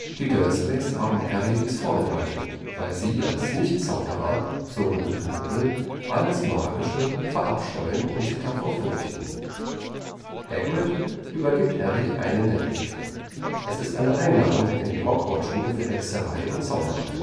Die Dursleys haben Harry dies vorenthalten, weil sie als Nicht-Zauberer – sogenannte „ Muggel “– alles Magische verabscheuen und sich davor fürchten. Hagrid übergibt Harry einen der Briefe; es ist eine Einladung in die Hogwarts-Schule für Hexerei und Zauberei